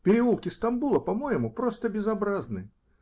Переулки Стамбула по-моему просто безобразны.